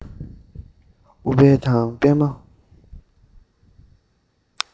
ཨུཏྤལ དང པདྨ